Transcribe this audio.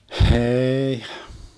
ei